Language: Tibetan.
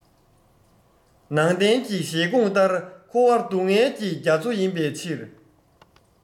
ནང བསྟན གྱི བཞེད དགོངས ལྟར འཁོར བ སྡུག བསྔལ གྱི རྒྱ མཚོ ཡིན པའི ཕྱིར